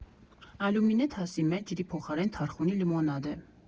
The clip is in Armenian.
Ալյումինե թասի մեջ ջրի փոխարեն թարխունի լիմոնադ է։